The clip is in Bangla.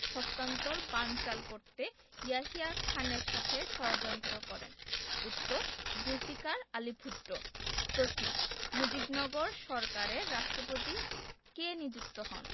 হস্তান্তর বানচাল করতে ইয়াহিয়া খানের সাথে ষড়যন্ত্র করেন উত্তরঃ জুলফিকার আলী ভুট্ট প্রশ্ন মুজিবনগর সরকারের রাষ্ট্রপতি কে নিযুক্ত হন